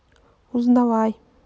узнавай